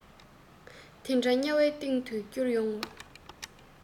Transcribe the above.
དེ འདྲ དམྱལ བའི གཏིང དུ བསྐྱུར ཡོང ངོ